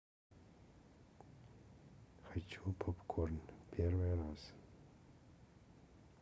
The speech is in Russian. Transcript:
хочу попкорн первый раз